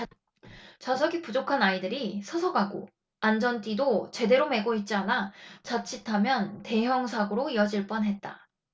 좌석이 부족한 아이들이 서서 가고 안전띠도 제대로 매고 있지 않아 자칫하면 대형사고로 이어질 뻔했다